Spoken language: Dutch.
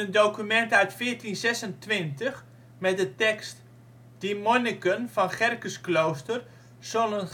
document uit 1426 met de tekst " die Moniken (van Gerkesklooster) sollen